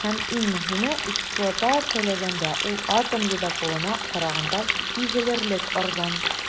Һәм, иң мөһиме, эксплуатацияләгәндә ул атом ледоколына караганда сизелерлек арзан.